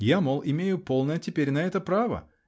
"Я, мол, имею полное теперь на это право!